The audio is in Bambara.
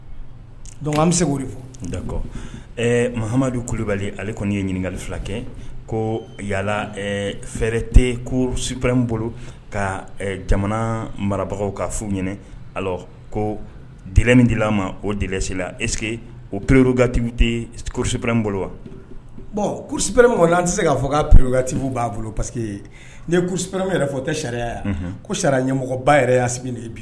Madu kulubali fila ko yalala fɛ tɛpɛ bolo ka jamana marabagaw ka ɲini a ko min di ma ose e o pereororosipɛ bolo wa bɔn kurusiprɛ la an tɛ se ka' fɔ ka pereti b'a bolo paseke ye kurupɛme yɛrɛ fɔ tɛ sariya yan ko sariya ɲɛmɔgɔ ba yɛrɛ y' sigilen